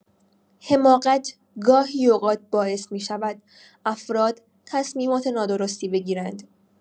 حماقت گاهی اوقات باعث می‌شود افراد تصمیمات نادرستی بگیرند.